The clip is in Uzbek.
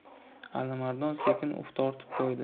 alimardon sekin uf tortib qo'ydi